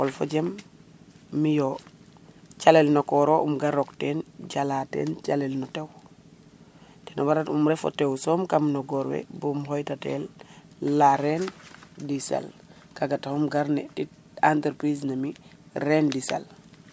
o qol fo jem mi o calel no koor o ga roq teen jala teen calel no tew ten waral u um refo tew soom kam no goor we bom xooytatel la reine du sel kaga taxu um gar ne tin entreprise ne mi reine du sel